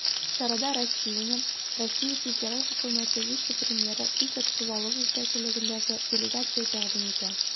Чарада Россияне РФ Хөкүмәте вице-премьеры Игорь Шувалов җитәкчелегендәге делегация тәкъдим итә.